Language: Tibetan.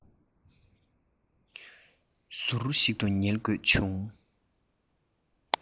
ཟུར ཞིག ཏུ ཉལ དགོས བྱུང